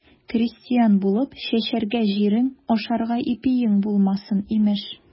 Крестьян булып, чәчәргә җирең, ашарга ипиең булмасын, имеш.